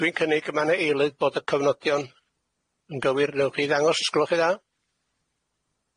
Dwi'n cynnig y ma na eilydd bod y cofnodion yn gywir, newch chi ddangos ysgolwch'n dda?